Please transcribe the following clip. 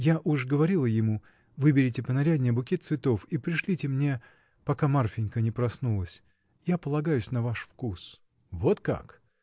Я уж говорила ему: выберите понаряднее букет цветов и пришлите мне, пока Марфинька не проснулась. Я полагаюсь на ваш вкус. — Вот как!